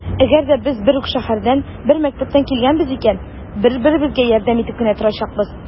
Әгәр дә без бер үк шәһәрдән, бер мәктәптән килгәнбез икән, бер-беребезгә ярдәм итеп кенә торачакбыз.